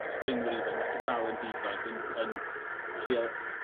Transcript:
Sbaenwyr ifan' lot o dalent ifanc yn yn trio